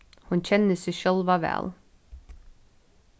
hon kennir seg sjálva væl